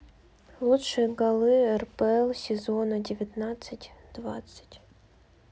лучшие голы рпл сезона девятнадцать двадцать